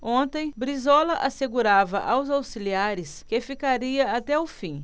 ontem brizola assegurava aos auxiliares que ficaria até o fim